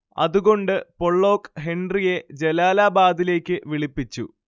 അതുകൊണ്ട് പൊള്ളോക്ക് ഹെൻറിയെ ജലാലാബാദിലേക്ക് വിളിപ്പിച്ചു